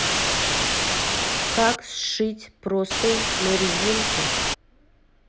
как сшить простынь на резинке